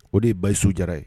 O de ye Bayisu Jara ye.